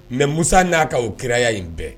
Mɛ musa n'a ka oo kiraya in bɛɛ